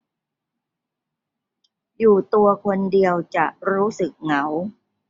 อยู่ตัวคนเดียวจะรู้สึกเหงา